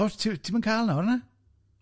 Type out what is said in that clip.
O, ti- ti'm yn ca'l nawr, na?